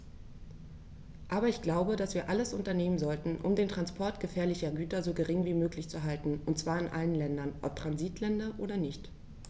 Aber ich glaube, dass wir alles unternehmen sollten, um den Transport gefährlicher Güter so gering wie möglich zu halten, und zwar in allen Ländern, ob Transitländer oder nicht.